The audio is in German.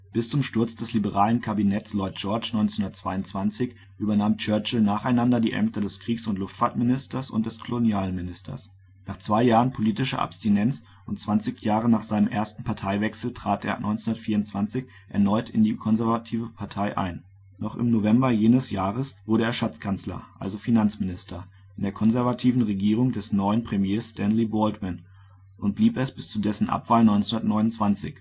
Bis zum Sturz des liberalen Kabinetts Lloyd George 1922 übernahm Churchill nacheinander die Ämter des Kriegs - und Luftfahrtministers und des Kolonialministers. Nach zwei Jahren politischer Abstinenz und 20 Jahre nach seinem ersten Parteiwechsel trat er 1924 erneut in die Konservative Partei ein. Noch im November jenes Jahres wurde er Schatzkanzler (Finanzminister) in der Konservativen Regierung des neuen Premiers Stanley Baldwin und blieb es bis zu dessen Abwahl 1929. In